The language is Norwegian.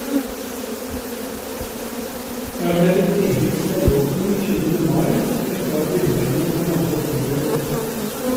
Her blir det tidligst veiåpning 20. mai etter at villreinen har vandret nordover.